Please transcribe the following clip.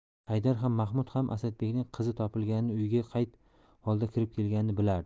haydar ham mahmud ham asadbekning qizi topilganini uyga qay holda kirib kelganini bilardi